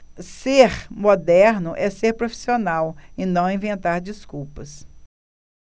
ser moderno é ser profissional e não inventar desculpas